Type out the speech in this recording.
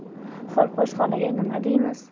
xolposh xolaga nima deymiz